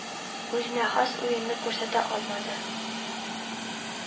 Үзенә хас уенны күрсәтә алмады